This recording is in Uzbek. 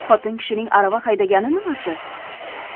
xotin kishining arava haydagani nimasi